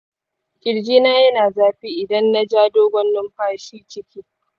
ƙirji na yana zafi idan na ja dogon numfashi ciki